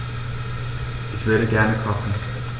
Ich würde gerne kochen.